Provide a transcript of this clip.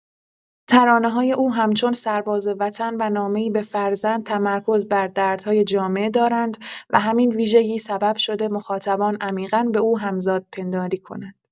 ترانه‌های او همچون سرباز وطن و نامه‌ای به فرزند تمرکز بر دردهای جامعه دارند و همین ویژگی سبب شده مخاطبان عمیقا با او همزادپنداری کنند.